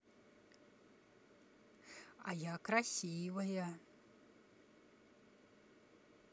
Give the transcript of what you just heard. а я красивая